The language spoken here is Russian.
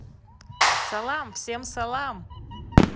салам всем салам